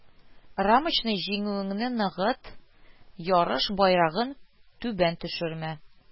Рамочный, җиңүеңне ныгыт, ярыш байрагын түбән төшермә